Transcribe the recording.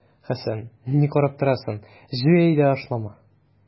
Хәсән, ни карап торасың, җый әйдә ашлама!